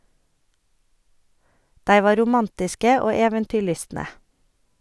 Dei var romantiske og eventyrlystne.